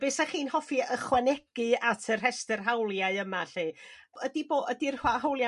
be 'sa chi'n chi'n hoffi ychwanegu at y rhestr hawliau yma 'llu? Ydi bo- ydi'r hawlia'